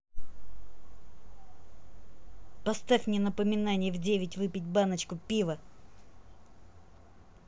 поставь мне напоминание в девять выпить баночку пива